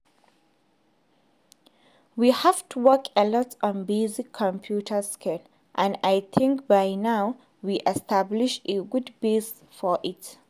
We had to work a lot on basic computer skills, and I think by now we established a good base for it.